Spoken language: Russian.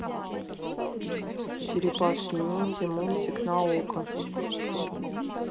черепашки ниндзя мультик на окко